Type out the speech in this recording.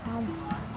không